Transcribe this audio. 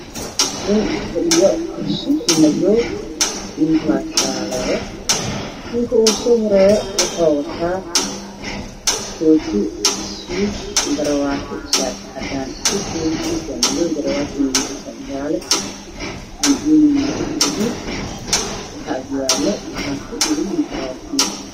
Waxaa iminka nin ku fadhiya kursi madow waxa uu wata sur-blueg ah iyo garwaati gaduud ah waxa uu ka koofi midabkeedu yahay caddaan iyo madow gadaalna waxaa ka fadhiya masuul wato ookiyaalla qabo